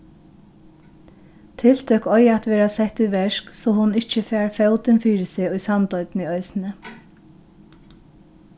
tiltøk eiga at verða sett í verk so hon ikki fær fótin fyri seg í sandoynni eisini